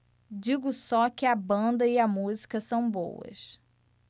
digo só que a banda e a música são boas